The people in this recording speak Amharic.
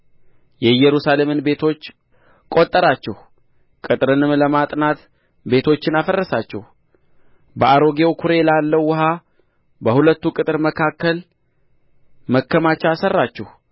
የኢየሩሳሌምን ቤቶች ቈጠራችሁ ቅጥሩንም ለማጥናት ቤቶችን አፈረሳችሁ በአሮጌው ኵሬ ላለው ውኃ በሁለቱ ቅጥር መካከል መከማቻ ሠራችሁ